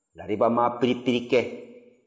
lariba ma pipipirili kɛ